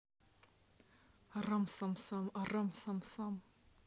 арам сам сам арам сам сам